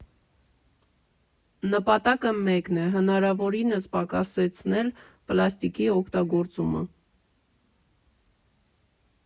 Նպատակը մեկն է՝ հնարավորինս պակասեցնել պլաստիկի օգտագործումը։